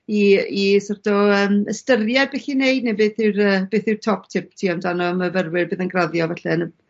i i sort o yym ystyried beth i neud neu beth yw'r yy beth yw'rtop tip ti amdano myfyrwyr bydd yn graddio falle yn y